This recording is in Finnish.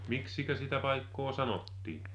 miksi sitä paikkaa sanottiin